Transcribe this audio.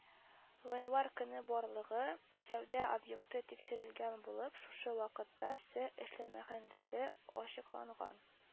3 гыйнвар көнне барлыгы 56 сәүдә объекты тикшерелгән булып, шушы вакытта 20се эшләмәгәнлеге ачыкланган